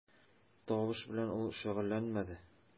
Табыш белән ул шөгыльләнмәде.